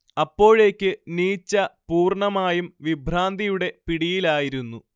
അപ്പോഴേക്ക് നീച്ച പൂർണ്ണമായും വിഭ്രാന്തിയുടെ പിടിയിലായിരുന്നു